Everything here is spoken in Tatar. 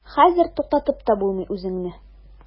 Хәзер туктатып та булмый үзеңне.